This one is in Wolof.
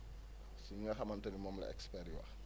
si li nga xamante ne moom la experts yi wax